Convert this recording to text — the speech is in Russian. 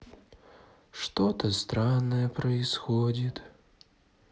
что то странное происходит